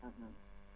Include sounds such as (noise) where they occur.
(hesitation) (hesitation)